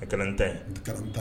A kalan nin ta ye